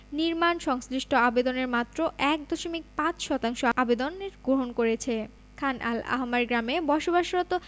নির্মাণ সংশ্লিষ্ট আবেদনের মাত্র ১.৫ শতাংশ আবেদনের গ্রহণ করেছে খান আল আহমার গ্রামে বসবাসরত